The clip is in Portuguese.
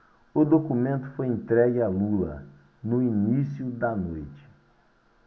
o documento foi entregue a lula no início da noite